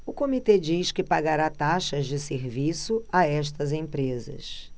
o comitê diz que pagará taxas de serviço a estas empresas